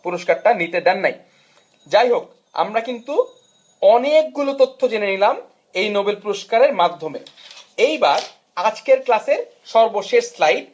পুরস্কারটা নিতে দেন নাই যাই হোক আমরা কিন্তু অনেকগুলো তথ্য জেনে নিলাম এই নোবেল পুরস্কারের মাধ্যমে এবার আজকের ক্লাসের সর্বশেষ স্লাইড